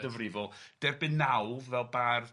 ...derbyn nawdd fel bardd